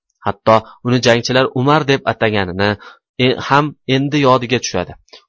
hatto uni jangchilar umar deb atagani ham endi yodiga tushadi